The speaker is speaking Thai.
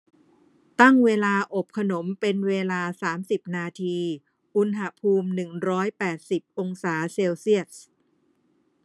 ตั้งเวลาอบขนมเป็นเวลาสามสิบนาทีอุณหภูมิหนึ่งร้อยแปดสิบองศาเซลเซียส